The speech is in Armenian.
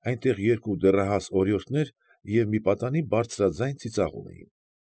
Այնտեղ երկու դեռահաս օրիորդներ և մի պատանի բարձրաձայն ծիծաղում էին։